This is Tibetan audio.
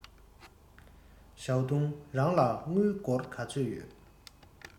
ཞའོ ཏིང རང ལ དངུལ སྒོར ག ཚོད ཡོད